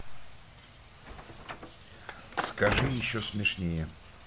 скажи еще смешнее